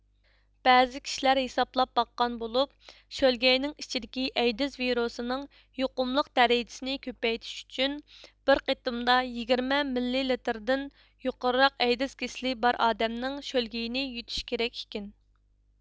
بەزى كىشىلەر ھېسابلاپ باققان بولۇپ شۆلگەينىڭ ئىچىدىكى ئەيدىز ۋىرۇسىنىڭ يۇقۇملۇق دەرىجىسنى كۆپەيتىش ئۈچۈن بىر قېتىمدا يىگىرمە مىللىلىتىردىن يۇقىرىراق ئەيدىز كېسىلى بار ئادەمنىڭ شۆلگىيىنى يۇتۇش كېرەك ئىكەن